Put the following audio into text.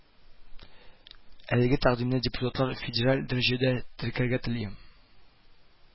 Әлеге тәкъдимне депутатлар федераль дәрәҗәдә теркәргә тели